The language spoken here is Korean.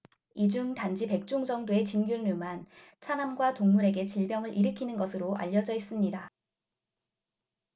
이 중 단지 백 종 정도의 진균류만 사람과 동물에게 질병을 일으키는 것으로 알려져 있습니다